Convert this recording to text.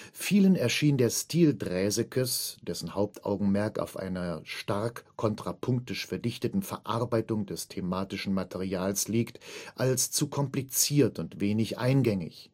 Vielen erschien der Stil Draesekes, dessen Hauptaugenmerk auf einer stark kontrapunktisch verdichteten Verarbeitung des thematischen Materials liegt, als zu kompliziert und wenig eingängig